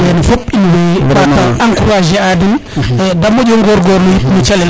wene fop in way mbata encourager a den de moƴo ngorgorlu yit no calel ke